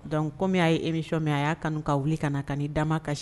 Donc kɔmi a ye emission mɛn, a y'a kanu ka wuli ka na , k'a n'i damakasi